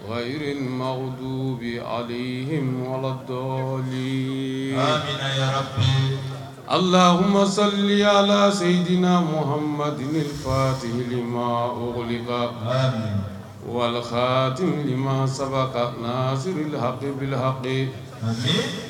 Wa yirima dun bɛ ale walatɔminayarafe ala saeliyala seginedina muhabatifati ma o walafati saba ka nasi hafe bihadu